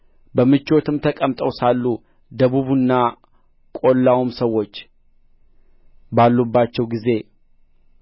በምቾትም ተቀምጠው ሳሉ ደቡቡና ቈላውም ሰዎች ባሉባቸው ጊዜ